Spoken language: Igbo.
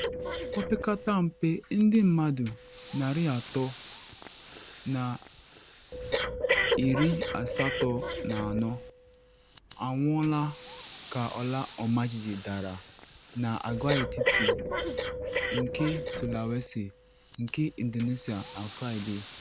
Opekata mpe ndị mmadụ 384 anwụọla ka ala ọmajiji dara na agwaetiti nke Sulawesi nke Indonesia na Fraịde.